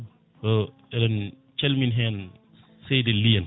eɗen calmina hen Seydil Ly en